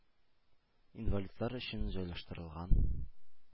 Инвалидлар өчен җайлаштырылган